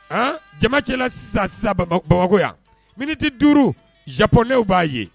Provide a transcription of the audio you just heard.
A jamacɛla sisan sa bamakɔ yan min tɛ duurupɛw b'a ye